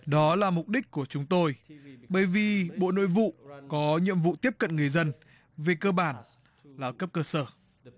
đó là mục đích của chúng tôi bởi vì bộ nội vụ có nhiệm vụ tiếp cận người dân về cơ bản là cấp cơ sở